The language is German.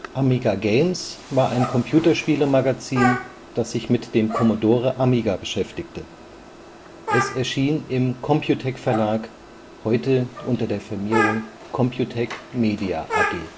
Amiga Games war ein Computerspielemagazin, das sich mit dem Commodore Amiga beschäftigte. Es erschien im Computec Verlag (heute Computec Media AG